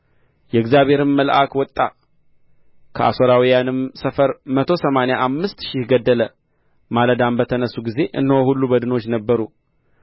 የእግዚአብሔርም መልአክ ወጣ ከአሦራውያንም ሰፈር መቶ ሰማንያ አምስት ሺህ ገደለ ማለዳም በተነሡ ጊዜ እነሆ ሁሉ በድኖች ነበሩ